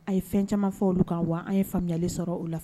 A ye fɛn caaman fɔ olu kan wa an ye faamuyali sɔrɔ o la.